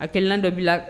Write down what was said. Akil dɔ' la